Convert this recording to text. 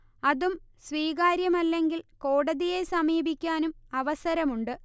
അതും സ്വീകാര്യമല്ലെങ്കിൽ കോടതിയെ സമീപിക്കാനും അവസരമുണ്ട്